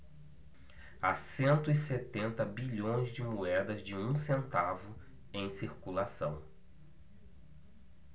há cento e setenta bilhões de moedas de um centavo em circulação